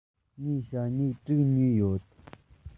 ངས ཞྭ སྨྱུག དྲུག ཉོས ཡོད